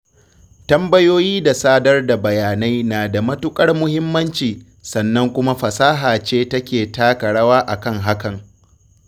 Tambayoyi da sadar da bayanai na da matuƙar muhimmanci, sannan kuma fasaha ce take taka rawa a kan hakan.